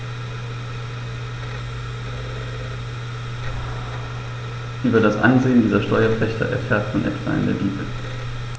Über das Ansehen dieser Steuerpächter erfährt man etwa in der Bibel.